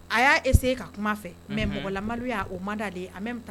A y'a ka kuma fɛ mɛ mɔgɔ la y' o mada bɛ